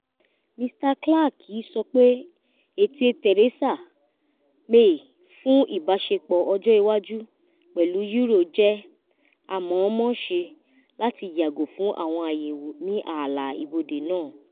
Mr Clark sọ pé ète Theresa May fún ìbáṣepọ̀ ọjọ́ iwájú pẹ̀lú EU jẹ́ “àmọ̀ǹmọ̀ṣe láti yàgò fún àwọn àyẹ́wò ní ààlà ìbodè náà.”